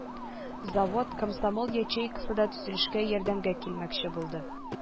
Завод комсомол ячейкасы да төзелешкә ярдәмгә кил-мәкче булды